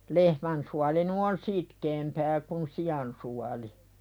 lehmän suoli nyt on sitkeämpää kuin sian suoli